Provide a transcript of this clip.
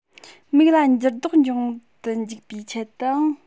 མིག ལ འགྱུར ལྡོག འབྱུང དུ འཇུག པའི ཆེད དུ དང